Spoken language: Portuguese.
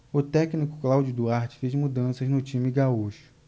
o técnico cláudio duarte fez mudanças no time gaúcho